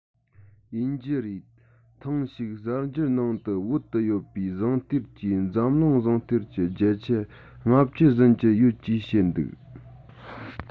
ཡིན གྱི རེད ཐེངས ཤིག གསར འགྱུར ནང དུ བོད དུ ཡོད པའི ཟངས གཏེར གྱིས འཛམ གླིང ཟངས གཏེར གྱི བརྒྱ ཆ ལྔ བཅུ ཟིན གྱི ཡོད ཞེས བཤད འདུག